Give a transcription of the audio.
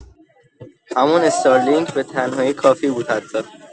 همون استارلینک به‌تنهایی کافی بود حتی